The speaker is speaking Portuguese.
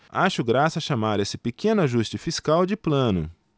acho graça chamar esse pequeno ajuste fiscal de plano